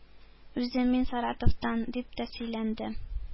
Үзе: “Мин Саратовтан”, – дип тә сөйләнде.